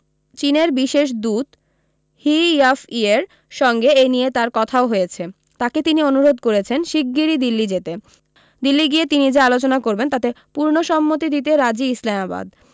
চীনের বিশেষ দূত হি ইয়াফইয়ের সঙ্গে এই নিয়ে তাঁর কথাও হয়েছে তাঁকে তিনি অনুরোধ করেছেন শিগগিরই দিল্লী যেতে দিল্লী গিয়ে তিনি যা আলোচনা করবেন তাতে পূর্ণ সম্মতি দিতে রাজি ইসলামাবাদ